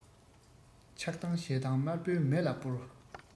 ཆགས སྡང ཞེ སྡང དམར པོའི མེ ལ སྤོར